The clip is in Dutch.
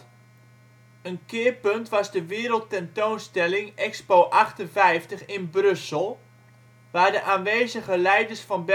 keerpunt was de wereldtentoonstelling expo 58 in Brussel, waar de aanwezige leiders van